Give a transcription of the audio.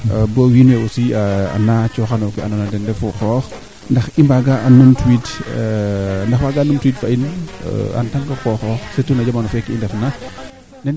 toka cuuma keene mi fene o qol le mi te soɓ na im duuf areer foogaam jind taama cumaka kaa fadna quatre fois ndaa dara